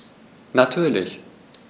Natürlich.